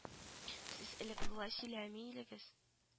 - сез элек болай сөйләми идегез